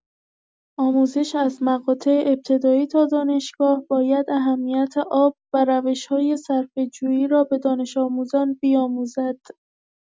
آموزش از مقاطع ابتدایی تا دانشگاه باید اهمیت آب و روش‌های صرفه‌جویی را به دانش‌آموزان بیاموزد.